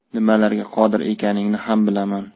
nimalarga qodir ekaningni ham bilaman